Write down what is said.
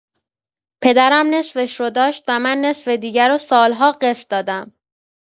پدرم نصفش رو داشت و من نصف دیگه رو سال‌ها قسط دادم.